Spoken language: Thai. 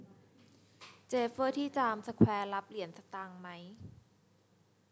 เจฟเฟอร์ที่จามสแควร์รับเหรียญสตางค์ไหม